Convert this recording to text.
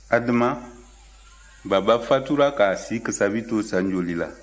adama baba faatura k'a si kasabi to san joli la